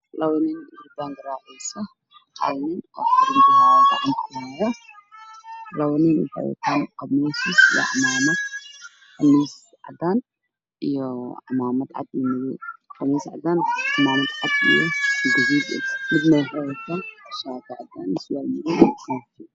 Sawirka waxaa ka muuqda saddex nin laba khamiis wato iyo mid shaati wata iyo ookayaalo waxay gacanta ku hayaan wax muusiga laga dhigo heesaha lagu qaado